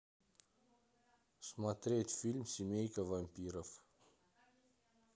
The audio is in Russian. смотреть фильм семейка вампиров